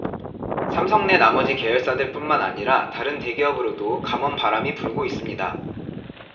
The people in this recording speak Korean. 삼성 내 나머지 계열사들뿐만 아니라 다른 대기업으로도 감원바람이 불고 있습니다